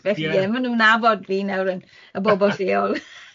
Felly... Yeah... yeah, ma' nhw'n nabod fi nawr y y bobol lleol